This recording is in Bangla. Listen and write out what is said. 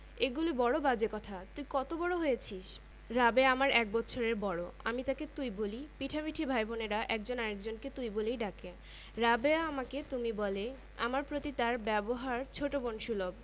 আমি বুঝতে পারছি রাবেয়া নিশ্চয়ই কথাগুলি বাইরে কোথাও শুনে এসেছে কিন্তু রাবেয়াকে যার বয়স গত আগস্ট মাসে বাইশ হয়েছে তাকে সরাসরি এমন একটি কদৰ্য কথা